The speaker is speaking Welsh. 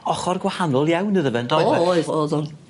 ochor gwahanol iawn iddo fe yndoedd... O oedd o'dd o'n